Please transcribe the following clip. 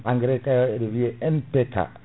engrais kayo et de lieu MPK